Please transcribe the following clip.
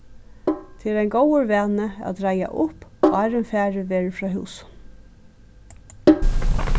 tað er ein góður vani at reiða upp áðrenn farið verður frá húsum